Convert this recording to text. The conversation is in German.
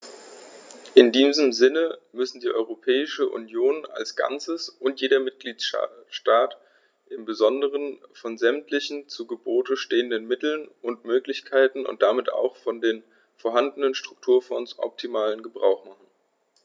In diesem Sinne müssen die Europäische Union als Ganzes und jeder Mitgliedstaat im Besonderen von sämtlichen zu Gebote stehenden Mitteln und Möglichkeiten und damit auch von den vorhandenen Strukturfonds optimalen Gebrauch machen.